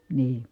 niin